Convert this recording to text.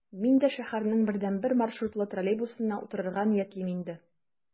Мин дә шәһәрнең бердәнбер маршрутлы троллейбусына утырырга ниятлим инде...